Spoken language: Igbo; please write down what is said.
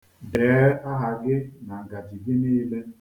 Dee aha gị na ngaji gị niile.